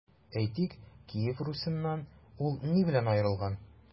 Әйтик, Киев Русеннан ул ни белән аерылган?